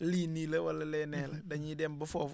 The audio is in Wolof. lii nii la wala lee nee la dañuy dem ba foofu